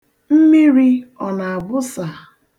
Mmiri ọ na-abụsa?